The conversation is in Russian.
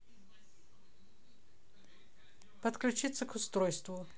подключиться к устройству